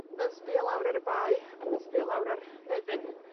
mae o'n sbïo lawr ar y bae, a mae'n sbïo lawr ar Nefyn.